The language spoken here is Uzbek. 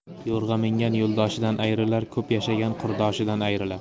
yo'rg'a mingan yo'ldoshidan ayrilar ko'p yashagan qurdoshidan ayrilar